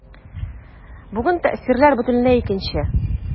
Бүген тәэсирләр бөтенләй икенче.